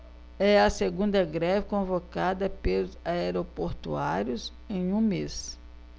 é a segunda greve convocada pelos aeroportuários em um mês